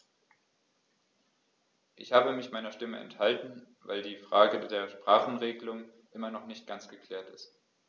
Ich habe mich meiner Stimme enthalten, weil die Frage der Sprachenregelung immer noch nicht ganz geklärt ist.